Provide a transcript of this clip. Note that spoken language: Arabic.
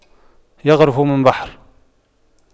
يَغْرِفُ من بحر